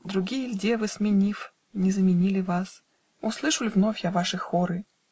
другие ль девы, Сменив, не заменили вас? Услышу ль вновь я ваши хоры?